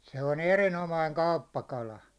se on erinomainen kauppakala